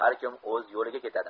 har kim o'z yo'liga ketadi